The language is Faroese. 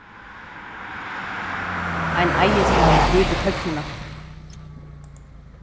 ein eiðismaður brýtur tøgnina